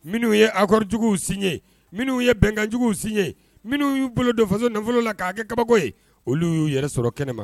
Minnuu ye akɔrijuguw siye minnuu ye bɛnkanjuguw siye minnu y'u bolo don faso nafolo la k'a kɛ kabako ye olu y'u yɛrɛ sɔrɔ kɛnɛma